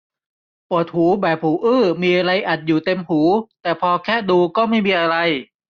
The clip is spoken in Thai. ปวดหูแบบหูอื้อมีอะไรอัดอยู่เต็มหูแต่พอแคะดูก็ไม่มีอะไร